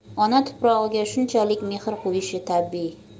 ona tuprog'iga shunchalik mehr qo'yishi tabbiy